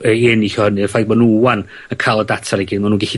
ei ennill o hynny o'r ffaith ma' nw 'wan yn ca'l y data i gyd. Ma nw'n gellu